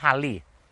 palu